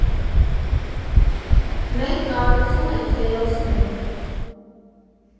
Մենք կառուցում ենք հերոսներ։